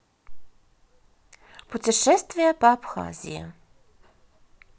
путешествие по абхазии